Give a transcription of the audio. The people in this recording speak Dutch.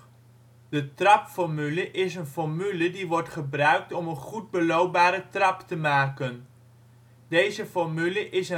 trapformule is een formule die wordt gebruikt om een goed beloopbare trap te maken. Deze formule is